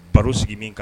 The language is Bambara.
Baro sigi min kan